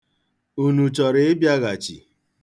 Unu chọrọ ịbịaghachi?